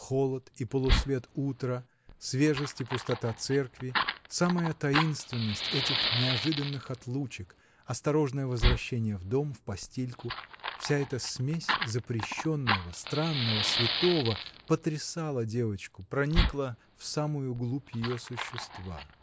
холод и полусвет утра, свежесть и пустота церкви, самая таинственность этих неожиданных отлучек, осторожное возвращение в дом, в постельку, -- вся эта смесь запрещенного, странного, святого потрясала девочку, проникала в самую глубь ее существа.